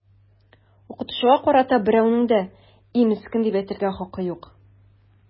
Укытучыга карата берәүнең дә “и, мескен” дип әйтергә хакы юк!